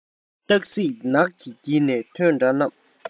སྟག གཟིག ནགས ཀྱི དཀྱིལ ནས ཐོན འདྲ རྣམས